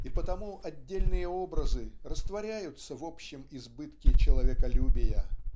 И потому отдельные образы растворяются в общем избытке человеколюбия.